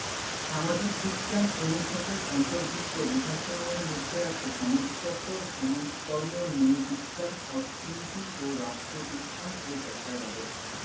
সামাজিক বিজ্ঞান অনুষদের অন্তর্ভুক্ত বিভাগসমূহের মধ্যে আছে সমাজতত্ত্ব সমাজকর্ম নৃবিজ্ঞান অর্থনীতি ও রাষ্ট্রবিজ্ঞান ও সরকার ব্যবস্থা